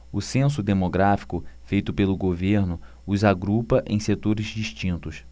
o censo demográfico feito pelo governo os agrupa em setores distintos